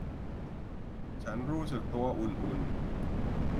ฉันรู้สึกตัวอุ่นอุ่น